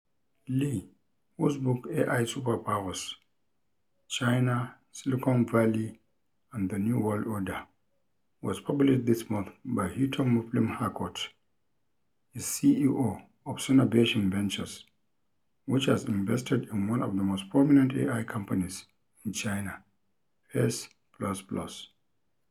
Lee, whose book "AI Superpowers: China, Silicon Valley and the New World Order" was published this month by Houghton Mifflin Harcourt, is CEO of Sinovation Ventures, which has invested in one of the most prominent AI companies in China, Face++.